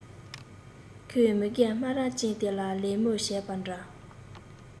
ཁོས མི རྒན སྨ ར ཅན དེ ལ ལད མོ བྱས པ འདྲ